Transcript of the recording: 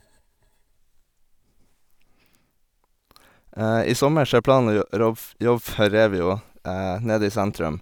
I sommer så er planen å gjø robb f jobbe for Revio nede i sentrum.